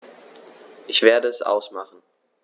Ich werde es ausmachen